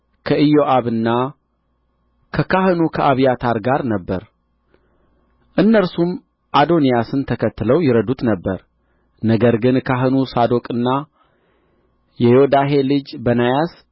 ከኢዮአብና ከካህኑ ከአብያታር ጋር ነበረ እነርሱም አዶንያስን ተከትለው ይረዱት ነበር ነገር ግን ካህኑ ሳዶቅና የዮዳሄ ልጅ በናያስ